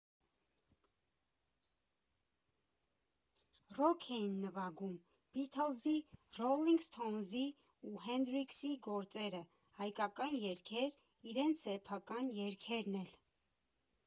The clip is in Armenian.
Ռոք էին նվագում, Բիթլզի, Ռոլինգ Սթոունզի ու Հենդրիքսի գործերը, հայկական երգեր, իրենց սեփական երգերն էլ։